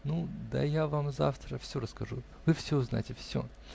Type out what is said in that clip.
Ну, да я вам завтра всё расскажу, вы всё узнаете, всё.